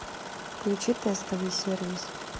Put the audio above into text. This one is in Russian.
включи тестовый сервис